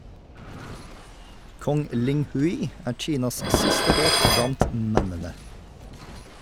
Kong Linghui er Kinas siste håp blant mennene.